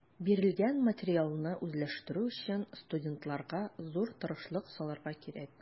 Бирелгән материалны үзләштерү өчен студентларга зур тырышлык салырга кирәк.